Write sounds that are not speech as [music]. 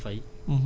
[hesitation] [hesitation]